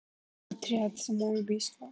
отряд самоубийства